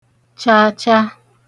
cha cha